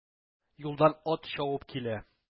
Юлдан ат чабып килә.